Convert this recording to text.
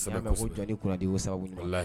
Jɔn nidi